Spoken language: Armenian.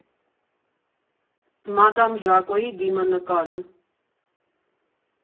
Մադամ Ժակոյի դիմանկարը։